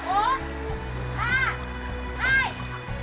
bốn ba hai